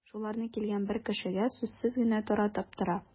Шуларны килгән бер кешегә сүзсез генә таратып тора.